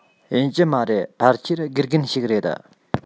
ཡིན གྱི མ རེད ཕལ ཆེར དགེ རྒན ཞིག རེད